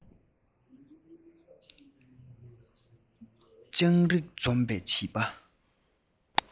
སྦྱང རིག འཛོམས པའི བྱིས པ